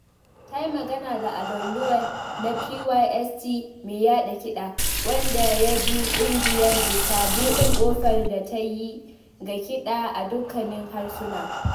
Ta yi magana da Alun Liwyd na PYST mai yaɗa kiɗa, wanda ya yabi ƙungiyar bisa buɗe ƙofar da ta yi ga kiɗa a dukkanin harsuna.